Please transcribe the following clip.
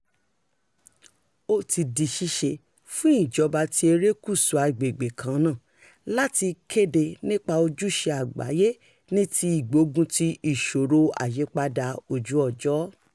Ó ti di ṣíṣe fún ìjọba ti erékùṣù agbègbè kan náà láti kéde nípa ojúṣe àgbáyé ní ti ìgbógunti ìṣòro àyípadà ojú-ọjọ́.